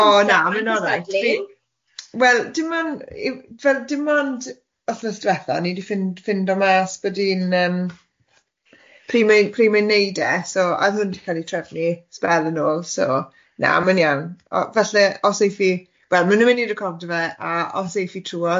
O na ma'n alright dwi... Wel dim ond i- fel dim ond wthnos dwetha o'n i wedi ff- ffindo mas bod i'n yym pryd mae'n pryd mae'n neud e so oeddwn i wedi ca'l i trefnu sbel yn ôl so na ma'n iawn o- falle os eith fi wel ma' nhw'n mynd i recordio fe a os eith i trwodd,